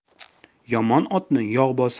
yomon otni yog' bosar